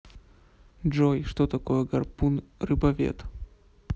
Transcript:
джой что такое гарпун рыбовед